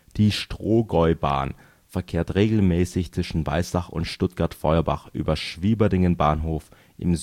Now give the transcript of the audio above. Die Strohgäubahn verkehrt regelmäßig zwischen Weissach und Stuttgart-Feuerbach über Schwieberdingen-Bahnhof im